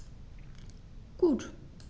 Gut.